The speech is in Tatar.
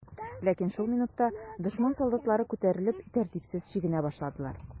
Ләкин шул минутта дошман солдатлары күтәрелеп, тәртипсез чигенә башладылар.